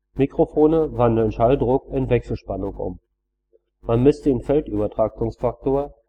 Mikrofone wandeln Schalldruck in Wechselspannung um. Man misst den Feldübertragungsfaktor